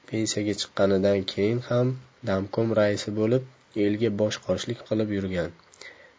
pensiyaga chiqqanidan keyin ham damkom raisi bo'lib elga bosh qoshlik qilib yurgan